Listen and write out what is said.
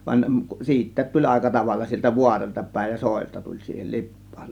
vaan siitäkin tuli aika tavalla sieltä vaaroilta päin ja soilta tuli siihen Lippaan